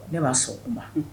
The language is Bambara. Ne m maa sɔn o kuma